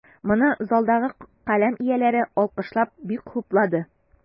Моны залдагы каләм ияләре, алкышлап, бик хуплады.